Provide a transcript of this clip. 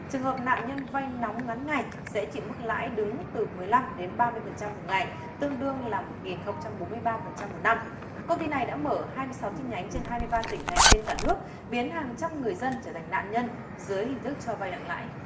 trường hợp nạn nhân vay nóng ngắn ngày sẽ chịu mức lãi đứng từ mười lăm đến ba mươi phần trăm một ngày tương đương là một nghìn không trăm bốn mươi ba phần trăm một năm công ty này đã mở hai sáu chi nhánh trên hai mươi ba tỉnh thành trên cả nước biến hàng trăm người dân trở thành nạn nhân dưới hình thức cho vay nặng lãi